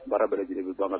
Baara bɛɛ lajɛlen bɛ